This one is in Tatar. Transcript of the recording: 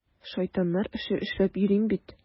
Шайтаннар эше эшләп йөрим бит!